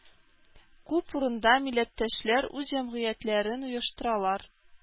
Күп урында милләттәшләр үз җәмгыятьләрен оештыралар